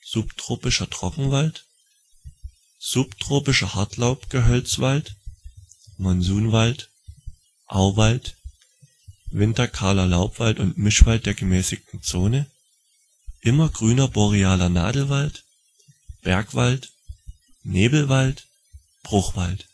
subtropischer Trockenwald subtropischer Hartlaubgehölzwald Monsunwald Auwald winterkahler Laubwald und Mischwald der gemäßigten Zone immergrüner borealer Nadelwald Bergwald Nebelwald Bruchwald